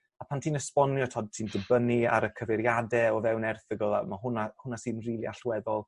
A pan ti'n esbonio t'od ti'n dibynnu ar y cyfeiriade o fewn erthygl a ma' hwnna hwnna sy'n rili allweddol